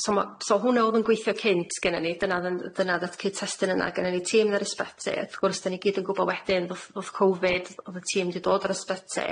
so ma' so hwnna o'dd yn gweithio cynt gennyn ni dyna o'dd yn dyna o'dd y cytestyn yna gennyn ni tîm yn yr ysbyty wrth gwrs dan ni gyd yn gwbo wedyn ddoth ddoth Covid o'dd y tîm di dod yr ysbyty.